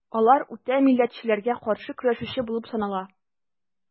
Алар үтә милләтчеләргә каршы көрәшүче булып санала.